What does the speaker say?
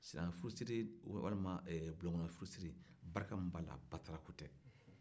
silamɛyafurusiri walima ee bulonkɔnɔnafurusiri barika min b'a la batarako tɛ